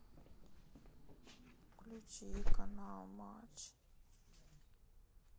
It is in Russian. включить канал матч